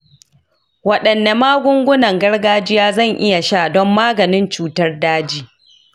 wadanne magungunan gargajiya zan iya sha don maganin cutar daji?